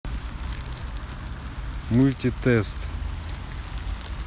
мультитест